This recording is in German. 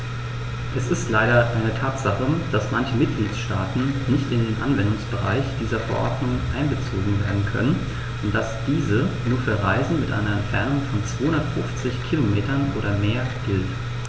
Es ist leider eine Tatsache, dass manche Mitgliedstaaten nicht in den Anwendungsbereich dieser Verordnung einbezogen werden können und dass diese nur für Reisen mit einer Entfernung von 250 km oder mehr gilt.